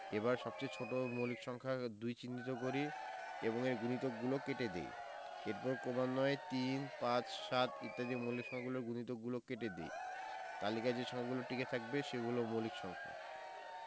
এবার সবচেয়ে ছোট মৌলিক সংখ্যা ২ চিহ্নিত করি এবং এর গুণিতকগলো কেটে দেই এরপর ক্রমান্বয়ে ৩ ৫ এবং ৭ ইত্যাদি মৌলিক সংখ্যার গুণিতকগুলো কেটে দিই তালিকায় যে সংখ্যাগুলো টিকে থাকবে সেগুলো মৌলিক সংখ্যা